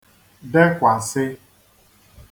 dekwàsị